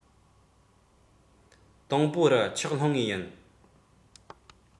དང པོ རུ ཆོགས ལྷུང ངེས ཡིན